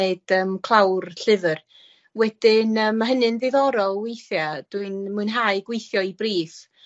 neud yym clawr llyfyr. Wedyn yym ma' hynny'n ddiddorol weithie dwi'n mwynhau gweithio i briff.